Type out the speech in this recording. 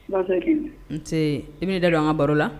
N i da don an ka baro la